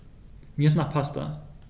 Mir ist nach Pasta.